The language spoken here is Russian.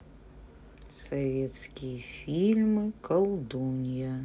советские фильмы колдунья